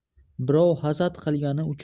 birov hasad qilgani